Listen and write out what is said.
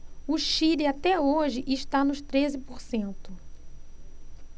o chile até hoje está nos treze por cento